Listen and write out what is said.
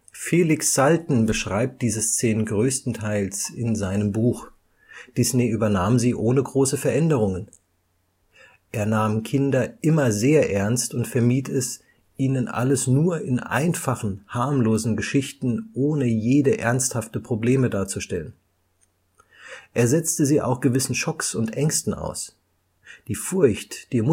Felix Salten beschreibt diese Szenen größtenteils in seinem Buch, Disney übernahm sie ohne große Veränderungen. Er nahm Kinder immer sehr ernst und vermied es, ihnen alles nur in einfachen, harmlosen Geschichten ohne jede ernsthafte Probleme darzustellen. Er setzte sie auch gewissen Schocks und Ängsten aus: die Furcht, die